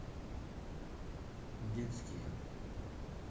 детские